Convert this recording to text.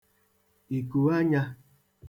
ìkùanyā